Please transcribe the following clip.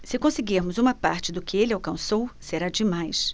se conseguirmos uma parte do que ele alcançou será demais